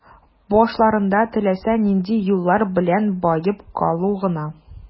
Башларында теләсә нинди юллар белән баеп калу гына.